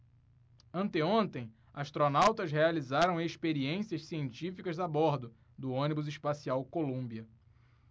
anteontem astronautas realizaram experiências científicas a bordo do ônibus espacial columbia